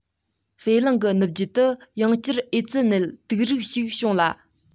ཧྥེ གླིང གི ནུབ རྒྱུད དུ ཡང བསྐྱར ཨེ ཙི ནད དུག རིགས ཤིག བྱུང ལ